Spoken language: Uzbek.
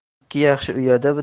ikki yaxshi uyada